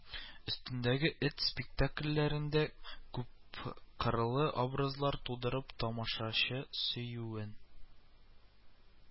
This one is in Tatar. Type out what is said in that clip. Өстендәге эт спектакльләрендә күпкырлы образлар тудырып, тамашачы сөюен